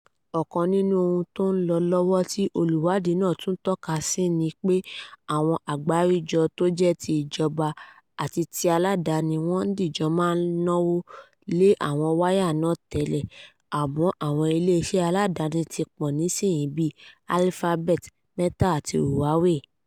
Ọ̀kan nínú àwọn ohun tó ń lọ lọ́wọ́ tí olùwádìí náà tún tọ́ka sí ni pé àwọn àgbáríjọ tó jẹ́ ti ìjọba àti ti aládani wọ́n dìjọ máa ń náwó lé àwọn wáyà náà tẹ́lẹ̀, àmọ́ àwọn iléeṣẹ́ aládaní ti pọ̀ nísìnyìí bíi Alphabet, Meta àti Huawei.